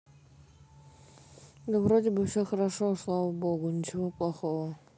да вроде бы все хорошо слава богу ничего плохого